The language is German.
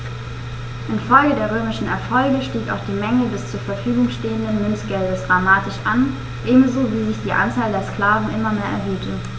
Infolge der römischen Erfolge stieg auch die Menge des zur Verfügung stehenden Münzgeldes dramatisch an, ebenso wie sich die Anzahl der Sklaven immer mehr erhöhte.